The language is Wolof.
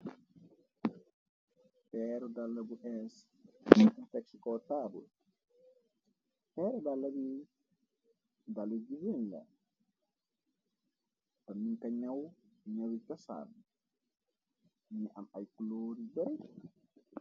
Peeru dala bu ees toxsiko taabu xeer daab dalu bi ren la te miñ ka ñaw neru casaan ñi am ay culooru ber.